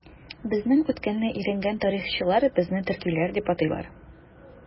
Безнең үткәнне өйрәнгән тарихчылар безне төркиләр дип атыйлар.